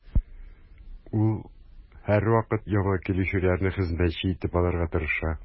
Ул һәрвакыт яңа килүчеләрне хезмәтче итеп алырга тырыша.